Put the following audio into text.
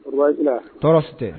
Tɔɔrɔ tɛ